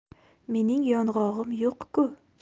mening yong'og'im yo'q ku